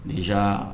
Déjà